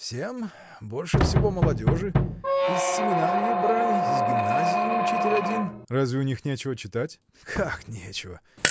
— Всем, больше всего молодежи: из семинарии брали, из гимназии — учитель один. — Разве у них нечего читать? — Как нечего!